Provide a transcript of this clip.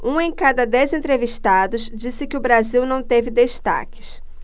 um em cada dez entrevistados disse que o brasil não teve destaques